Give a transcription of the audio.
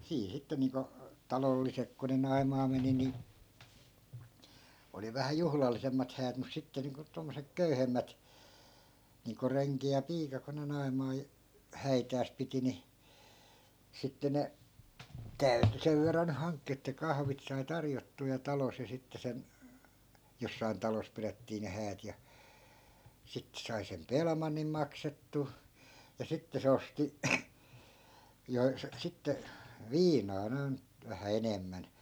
siinä sitten niin kuin talolliset kun ne naimaan meni niin oli vähän juhlallisemmat häät mutta sitten niin kuin tuommoiset köyhemmät niin kuin renki ja piika kun ne - häitänsä piti niin sitten ne täytyi sen verran nyt hankkia että kahvit sai tarjottua ja talossa ja sitten sen jossakin talossa pidettiin ne häät ja sitten sai sen pelimannin maksettua ja sitten se osti - sitten viinaa noin vähän enemmän